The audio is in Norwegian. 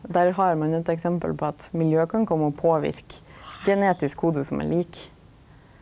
der har ein eit eksempel på at miljø kan komma og påverka genetisk kode som er lik.